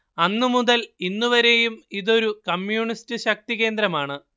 അന്നു മുതൽ ഇന്നു വരെയും ഇതൊരു കമ്മ്യൂണിസ്റ്റ് ശക്തി കേന്ദ്രമാണ്